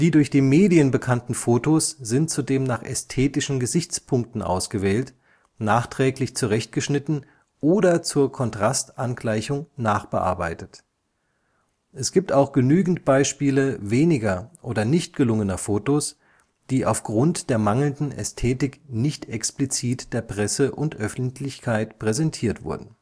durch die Medien bekannten Fotos sind zudem nach ästhetischen Gesichtspunkten ausgewählt, nachträglich zurechtgeschnitten oder zur Kontrastangleichung nachbearbeitet. Es gibt auch genügend Beispiele weniger oder nicht gelungener Fotos, die auf Grund der mangelnden Ästhetik nicht explizit der Presse und Öffentlichkeit präsentiert wurden